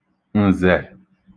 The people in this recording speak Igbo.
ǹzè